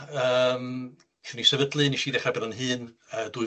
Yym. Nethon ni sefydlu, nes i ddechra bod yn hŷn yy dwy